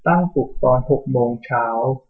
ตั้งปลุกตอนหกโมงเช้า